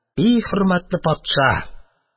И хөрмәтле патша!